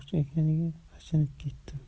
ekaniga achinib ketdim